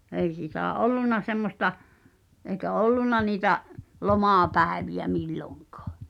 ei sitä ollut semmoista eikä ollut niitä lomapäiviä milloinkaan